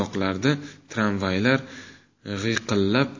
uzoqlarda tramvaylar g'iyqillab